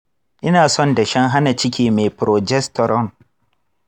ina son dashen hana ciki mai progesterone .